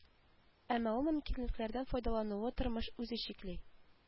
Әмма ул мөмкинлекләрдән файдалануны тормыш үзе чикли